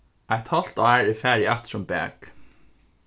eitt hálvt ár er farið aftur um bak